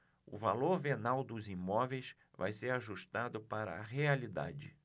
o valor venal dos imóveis vai ser ajustado para a realidade